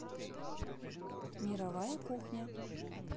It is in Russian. мировая кухня